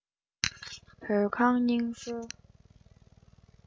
བོད ཁང སྙིང ཧྲུལ